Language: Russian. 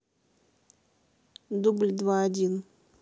дубль два один